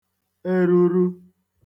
eruru